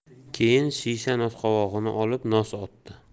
keyin shisha nosqovog'ini olib nos otdi